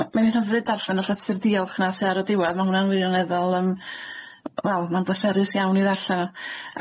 ma' mae'n hyfryd darllen y llythyr diolch na sy ar y diwedd ma' hwnna'n wirioneddol yym wel ma'n bleserus iawn i ddarllen o,